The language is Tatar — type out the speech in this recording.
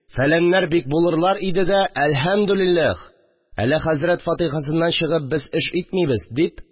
Фәләннәр бик булырлар иде дә, әлхәмделилла, әле хәзрәт фатихасыннан чыгып без эш итмимез», – дип